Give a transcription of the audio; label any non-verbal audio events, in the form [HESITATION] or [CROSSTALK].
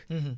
[HESITATION] [HESITATION]